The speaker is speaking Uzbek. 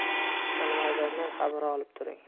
alimardondan xabar olib turing